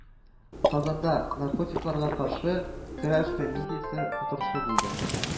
Казанда наркотикларга каршы көрәш комиссиясе утырышы булды